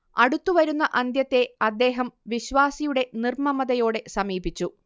അടുത്തുവരുന്ന അന്ത്യത്തെ അദ്ദേഹം വിശ്വാസിയുടെ നിർമ്മമതയോടെ സമീപിച്ചു